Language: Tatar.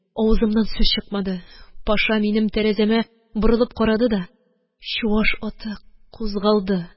Авызымнан сүз чыкмады. Паша минем тәрәзәмә борылып карады да, чуваш аты кузгалды.